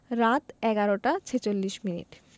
রাত ১১টা ৪৬ মিনিট